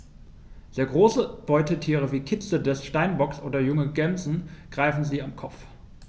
Sehr große Beutetiere wie Kitze des Steinbocks oder junge Gämsen greifen sie am Kopf.